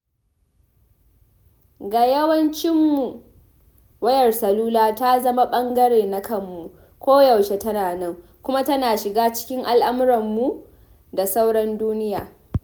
Ga yawancinmu, wayar salula ta zama wani ɓangare na kanmu – koyaushe tana nan, kuma tana shiga cikin mu’amalarmu da sauran duniya.